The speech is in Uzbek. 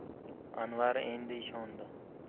anvar endi ishondi